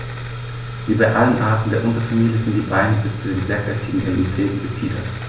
Wie bei allen Arten der Unterfamilie sind die Beine bis zu den sehr kräftigen gelben Zehen befiedert.